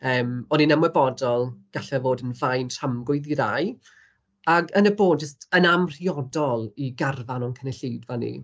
Yym, o'n i'n ymwybodol gallai fod yn faen tramgwydd i rai, ac yn y bôn jyst yn amrhriodol i garfan o'n cynulleidfa ni.